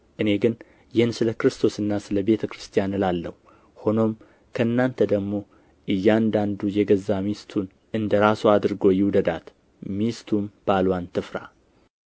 እኔ ግን ይህን ስለ ክርስቶስና ስለ ቤተ ክርስቲያን እላለሁ ሆኖም ከእናንተ ደግሞ እያንዳንዱ የገዛ ሚስቱን እንዲህ እንደ ራሱ አድርጎ ይውደዳት ሚስቱም ባልዋን ትፍራ